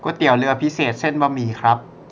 ก๋วยเตี๋ยวเรือพิเศษเส้นบะหมี่ครับ